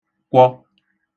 kwọ